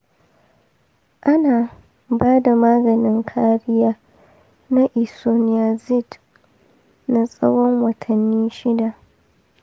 ana bada maganin kariya na isoniazid na tsawon watanni shida.